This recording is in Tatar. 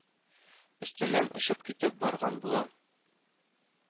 Өстеннән очып китеп барган була